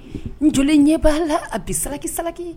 N joli ɲɛ b'a la a bi sarakaki saki